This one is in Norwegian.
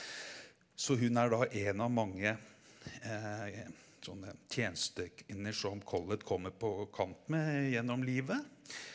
så hun er da en av mange sånne tjenestekvinner som Collett kommer på kant med gjennom livet.